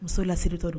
Muso lasiriretɔ don